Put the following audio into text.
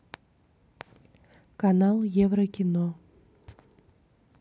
канал еврокино